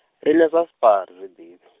riṋe zwa Spar ari zwi nḓivhi.